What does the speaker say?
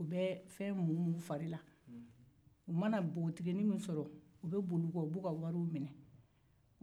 u bɛ fɛn munmun u fari la u mana npogotiginin min sɔrɔ u boli o kɔ k'o ka wari minɛ